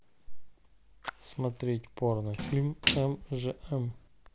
смотреть порно фильм мжм